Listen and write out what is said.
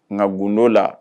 Nka gundo la